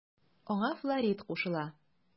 Аңа Флорид кушыла.